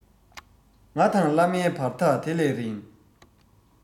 ང དང བླ མའི བར ཐག དེ ལས རིང